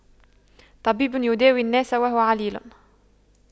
طبيب يداوي الناس وهو عليل